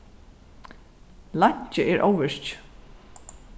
leinkið er óvirkið